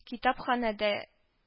Китапханәдә